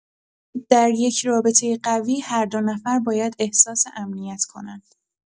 در یک رابطه قوی، هر دو نفر باید احساس امنیت کنند.